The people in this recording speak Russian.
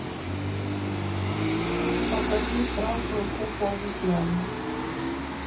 покажи красную попу обезьяны